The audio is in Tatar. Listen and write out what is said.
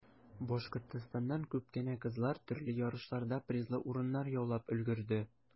Башкортстаннан күп кенә кызлар төрле ярышларда призлы урыннар яулап өлгерде.